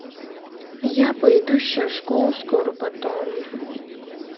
я по идущая в школу скоро потом